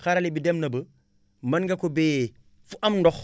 xarale bi dem na ba mën nga ko bayee fu am ndox